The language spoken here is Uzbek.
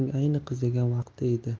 o'roqning ayni qizigan vaqti edi